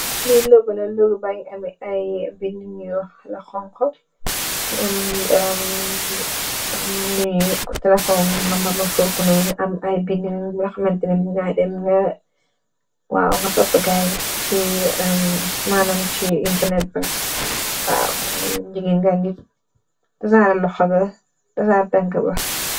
lii loba la loog bàññi ay binni ñu ala xong xot am luñuo telefon nga mbaba fofunu a ay biniñu rexmentni ngay dem nga waaw nga topp gaay ci manam ci internet baaam jigin ga ngi zare loxu bi